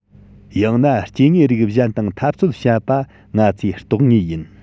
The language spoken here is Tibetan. ཡང ན སྐྱེ དངོས རིགས གཞན དང འཐབ རྩོད བྱེད པ ང ཚོས རྟོགས ངེས ཡིན